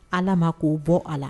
Ala ma k ko'o bɔ a la